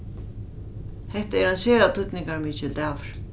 hetta er ein sera týdningarmikil dagur